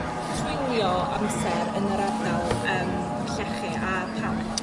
treulio amser yn yr ardal yym llechi a pam?